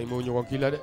I b'oɔgɔ'i la dɛ